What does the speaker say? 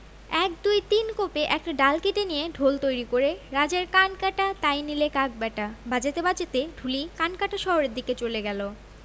এক দুই তিন কোপে একটা ডাল কেটে নিয়ে ঢোল তৈরি করে ‘রাজার কান কাটা তাই নিলে কাক ব্যাটা বাজাতে বাজাতে ঢুলি কানকাটা শহরের দিকে চলে গেল